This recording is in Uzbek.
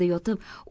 yerda yotib